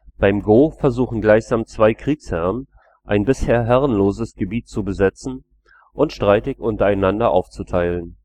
Beim Go versuchen gleichsam zwei Kriegsherren, ein bisher herrenloses Gebiet zu besetzen und streitig untereinander aufzuteilen